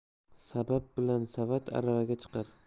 sabab bilan savat aravaga chiqar